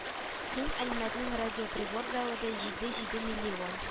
Сум, әлмәтнең радиоприбор заводы җиде, җиде миллион